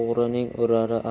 o'g'rining urari azali